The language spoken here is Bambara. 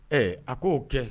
Ɛɛ a k'o kɛ